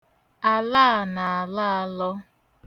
Ala a na-alọ alọ.